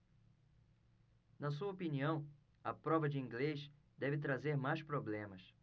na sua opinião a prova de inglês deve trazer mais problemas